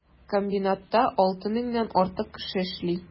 Комбинатта 6 меңнән артык кеше эшли.